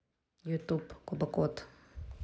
ютуб кубокот